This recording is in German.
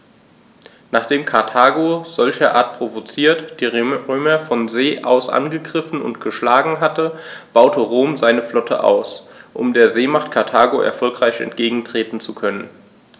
Nachdem Karthago, solcherart provoziert, die Römer von See aus angegriffen und geschlagen hatte, baute Rom seine Flotte aus, um der Seemacht Karthago erfolgreich entgegentreten zu können.